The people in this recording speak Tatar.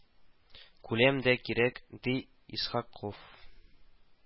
Күләм дә кирәк , ди Исхаков